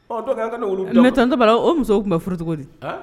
Ɔ donc an kana olu, mais tonton Bala o musow tun bɛ furu cogo di, an